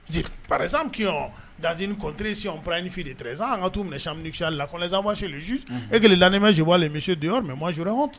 Parezy dazresiɔn ppɛinfi dere an ka taa saya laɛzfa e naanimɛwalen misi de yɔrɔ mɛ